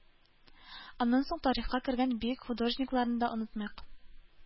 Аннан соң тарихка кергән бөек художникларны да онытмыйк.